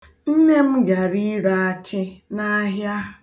Nne m gara ire akị n'ahịa.